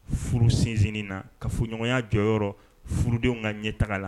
Furu sinsin na, kafɔɲɔgɔnya jɔyɔrɔ furudenw ka ɲɛtaga la